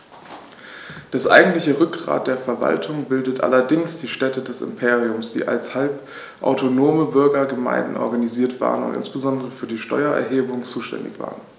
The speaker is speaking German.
Das eigentliche Rückgrat der Verwaltung bildeten allerdings die Städte des Imperiums, die als halbautonome Bürgergemeinden organisiert waren und insbesondere für die Steuererhebung zuständig waren.